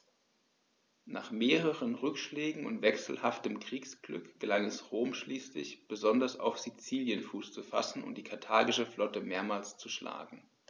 Nach mehreren Rückschlägen und wechselhaftem Kriegsglück gelang es Rom schließlich, besonders auf Sizilien Fuß zu fassen und die karthagische Flotte mehrmals zu schlagen.